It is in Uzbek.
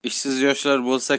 ishsiz yoshlar bo'lsa